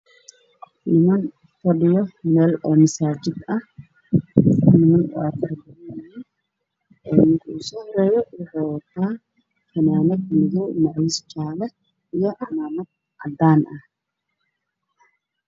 Waa niman fadhiyo meel oo masaajid ah ninka ugu soo horeeyo waxuu wataa fanaanad madow, macawis jaale iyo cimaamad cadaan ah.